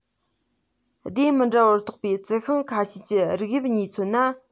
སྡེ མི འདྲ བར གཏོགས པའི རྩི ཤིང འགའ ཤས ཀྱིས རིགས དབྱིབས གཉིས མཚོན ཏེ